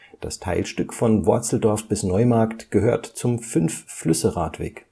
Das Teilstück von Worzeldorf bis Neumarkt gehört zum Fünf-Flüsse-Radweg